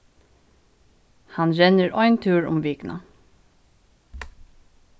hann rennur ein túr um vikuna